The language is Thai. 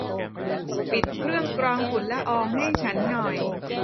ปิดเครื่องกรองฝุ่นละอองให้ฉันหน่อย